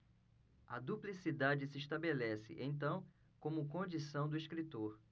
a duplicidade se estabelece então como condição do escritor